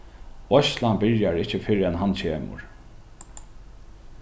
veitslan byrjar ikki fyrr enn hann kemur